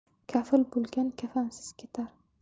kafil bo'lgan kafansiz ketar